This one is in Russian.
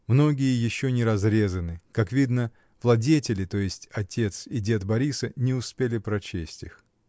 Многие еще не разрезаны: как видно, владетели, то есть отец и дед Бориса, не успели прочесть их.